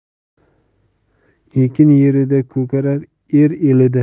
ekin yerida ko'karar er elida